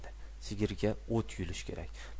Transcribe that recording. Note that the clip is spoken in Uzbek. sigirga o't yulish kerak